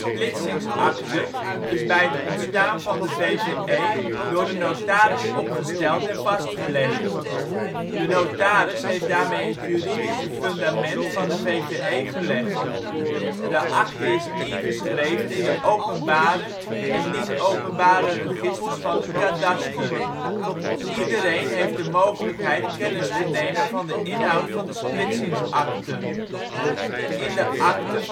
splitsingsakte is bij het ontstaan van de VvE door de notaris opgesteld en vastgelegd. De notaris heeft daarmee het juridische fundament van de VvE gelegd. De akte is ingeschreven in de openbare en niet openbare registers van het kadaster. Iedereen heeft de mogelijkheid kennis te nemen van de inhoud van de splitsingsakte. In de akte